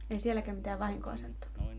ei sielläkään mitään vahinkoa sattunut